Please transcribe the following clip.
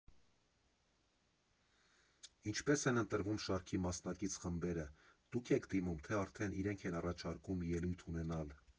Ինչպե՞ս են ընտրվում շարքի մասնակից խմբերը, դու՞ք եք դիմում, թե արդեն իրենք են առաջարկում ելույթ ունենալ։